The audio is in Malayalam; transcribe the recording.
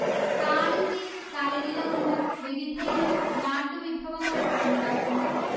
താളിന്റെ തളിരിലകൊണ്ട് വിവിധയിനം നാട്ടുവിഭവങ്ങൾ ഉണ്ടാക്കുന്നു